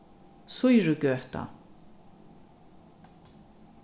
sýrugøta